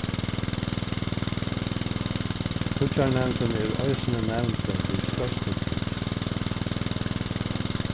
fíggjarnevndin er eisini nevndin við størstu tign